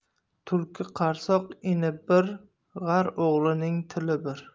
tulki qarsoq ini bir g'ar o'g'rining till bir